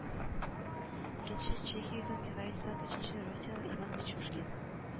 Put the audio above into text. Икенче Чехиядән Михаил Зак, өченче русияле Иван Пичужкин